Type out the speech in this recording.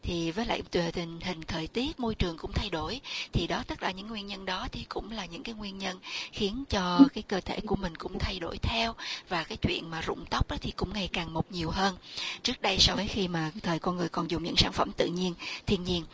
thì với lại tùy tình hình thời tiết môi trường cũng thay đổi thì đó tất là những nguyên nhân đó thì cũng là những cái nguyên nhân khiến cho cái cơ thể của mình cũng thay đổi theo và cái chuyện mà rụng tóc đó thì cũng ngày càng một nhiều hơn trước đây so với khi mà thời con người còn dùng những sản phẩm tự nhiên thiên nhiên